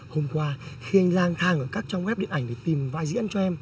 hôm qua khi anh lang thang ở các trang goép điện ảnh để tìm vai diễn cho em